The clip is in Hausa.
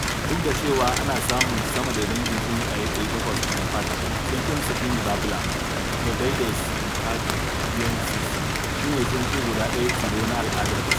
Duk da cewa ana samun sama da dangin tsuntsaye 800 a Nepal, tsuntsun Spiny Babbler (Turdoides nipalensis) shi ne tsuntsu guɗa ɗaya tilo na al'ada a ƙasar.